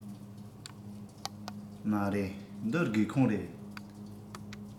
མ རེད འདི སྒེའུ ཁུང རེད